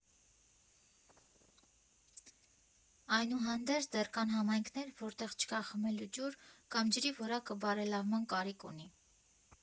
Այդուհանդերձ, դեռ կան համայնքներ, որտեղ չկա խմելու ջուր կամ ջրի որակը բարելավման կարիք ունի։